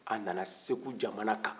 a nana segu jamana kan